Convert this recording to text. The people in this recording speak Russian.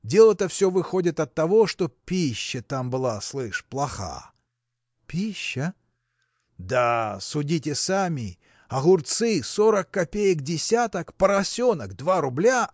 Дело-то все, выходит, оттого, что пища там была, слышь, плоха. – Пища? – Да судите сами огурцы сорок копеек десяток поросенок два рубля